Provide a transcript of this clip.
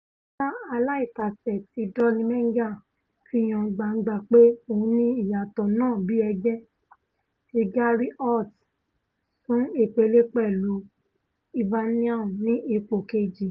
Gbígbá aláìtàsé ti Dolly Menga fihàn gbangba pé ohun ni ìyàtọ̀ náà bí ẹgbẹ́ ti Gary Holt sún ipele pẹ̀lú Hibernian ní ipò keji.